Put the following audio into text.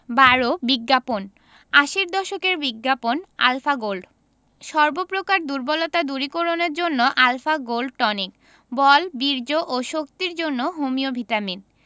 ১২ বিজ্ঞাপন আশির দশকের বিজ্ঞাপন আলফা গোল্ড সর্ব প্রকার দুর্বলতা দূরীকরণের জন্য আল্ ফা গোল্ড টনিক –বল বীর্য ও শক্তির জন্য হোমিও ভিটামিন